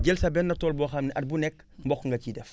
jël sa benn tool boo xam ne at bu nekk mboq nga siy def